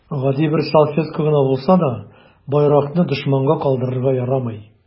Гади бер салфетка гына булса да, байракны дошманга калдырырга ярамый.